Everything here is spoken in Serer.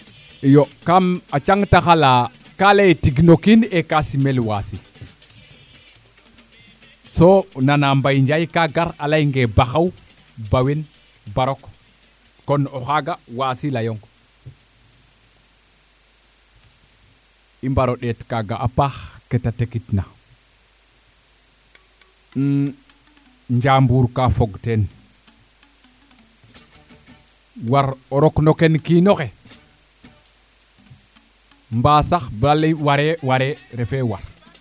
so nana Mbaye Ndiaye ka ga a ley nge ba xaw ba wen ba rok kon o xaaga waasi leyong i mbaro ndeet kaga a paax kete tekit na njambur ka fog teen war o rok nen ken kiinoxe mba sax ware refe war